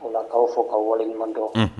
O kkaw fɔ ka waleɲumantɔ